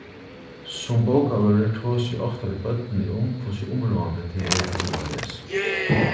sum bókavørður tosi eg ofta við børnini um hvussu umráðandi tað er at duga at lesa